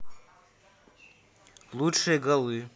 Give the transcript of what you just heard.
лучшие голы